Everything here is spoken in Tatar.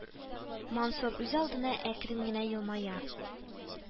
Мансур үзалдына әкрен генә елмая